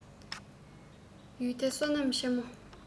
ཡུལ འདི བསོད ནམས ཆེན མོ